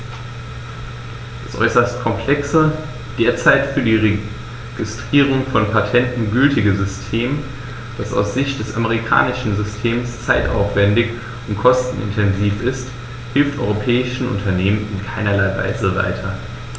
Das äußerst komplexe, derzeit für die Registrierung von Patenten gültige System, das aus Sicht des amerikanischen Systems zeitaufwändig und kostenintensiv ist, hilft europäischen Unternehmern in keinerlei Weise weiter.